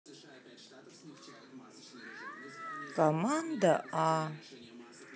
команда а